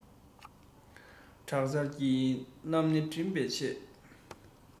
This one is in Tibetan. དྲག ཆར གྱི ལམ སྣེ འདྲེན པར བྱེད